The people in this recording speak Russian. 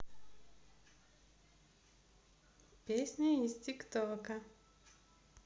песня из тик тока